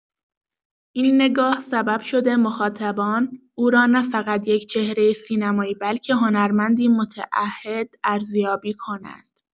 این نگاه سبب شده مخاطبان، او را نه‌فقط یک چهره سینمایی، بلکه هنرمندی متعهد ارزیابی کنند.